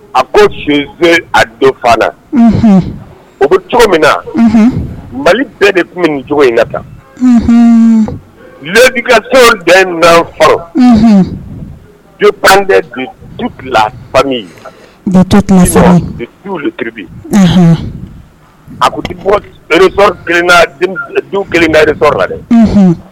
A ko fi a dɔ fana o ko cogo min na mali bɛɛ de tun nin cogo in na tan le den na fɔlɔ du de dufamibi a du kelen de dɛ